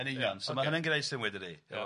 yn union, so ma' hynna'n gneud synnwyr dydy.